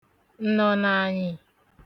ǹnọ̀nàànyị̀